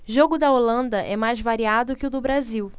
jogo da holanda é mais variado que o do brasil